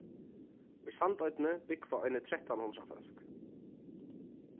í sandoynni búgva eini trettan hundrað fólk